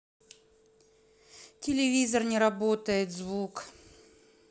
телевизор не работает звук